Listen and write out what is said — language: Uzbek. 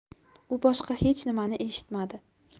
u boshqa hech nimani eshitmadi